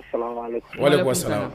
Wale de bɔ siran